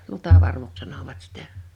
lutavarvuksi sanoivat sitä